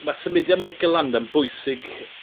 Ma' symudiad Mikel Landa yn bwysig